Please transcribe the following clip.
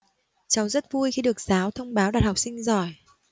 cháu rất vui khi được giáo thông báo đạt học sinh giỏi